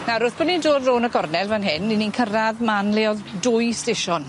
Nawr wrth bo' ni'n dod rown' y gornel fan hyn i ni'n cyrradd man le o'dd dwy steshion.